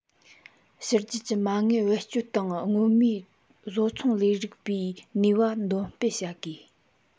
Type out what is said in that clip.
ཕྱི རྒྱལ གྱི མ དངུལ བེད སྤྱོད དང སྔོན མའི བཟོ ཚོང ལས རིགས པའི ནུས པ འདོན སྤེལ བྱ དགོས